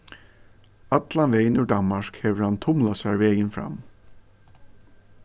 allan vegin úr danmark hevur hann tumlað sær vegin fram